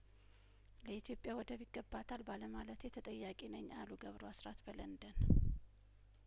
ለኢትዮጵያ ወደብ ይገባታል ባለማለቴ ተጠያቂ ነኝ አሉ ገብሩ አስራት በለንደን